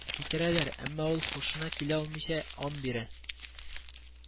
Китерәләр, әмма ул һушына килә алмыйча ан бирә